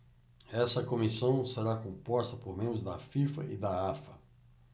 essa comissão será composta por membros da fifa e da afa